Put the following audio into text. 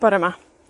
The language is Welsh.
bore 'ma.